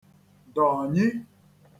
dọ̀nyi